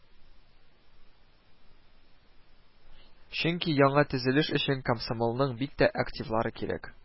Чөнки яңа төзелеш өчен комсомолның бик тә активлары кирәк